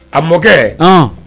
A mɔkɛ